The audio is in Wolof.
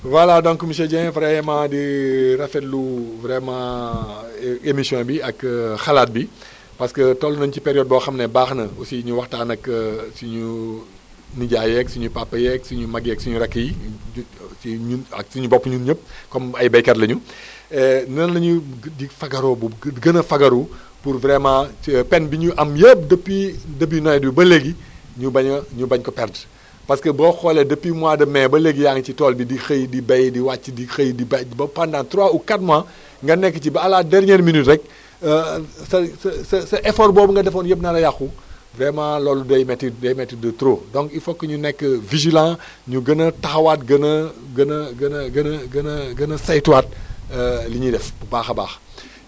voilà donc monsieur Dieng vraiment di rafetlu vraiment émission bi ak xalaat yi parce que toll nañu ci période boo xam ne baax na aussi ñu waxtaan ak suñu nijaay yeeg suñu papa yeeg suñuy mag yeeg suñu rakk yi si ñun ak suñu bopp ñun ñëpp comme ay béykat la ñu nan la ñuy di fagaru bu gën a fagaru pour vraiment ci peine bi ñuy am yëpp depuis depuis nawet bi ba léegi ñu bañ a ñu bañ ko perte parce que boo xoolee depuis mois de mai ba léegi yaa ngi ci tool bi di xëy di béy di wàcc di xëy di béy ba pendant 3 ou 4 mois nga nekk ci ba à la dernière minute rek sa sa sa effort boobu nga defoon yëpp nar a yàqu vraiment loolu day métti day métti de trop donc il faut que ñu nekk vigilant ñu gën a taxawaat gën a gën a gën a gën a gën a saytuwaat li ñuy def bu baax a baax